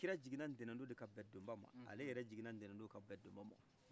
kira jigina ntɛnɛn don ka bɛn donbama ale yɛre jigina ntɛnɛn do ka bɛn donbama